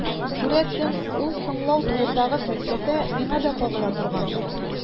Күрәсең, ул «соңлау» турындагы фәлсәфә миңа да кагыла торгандыр.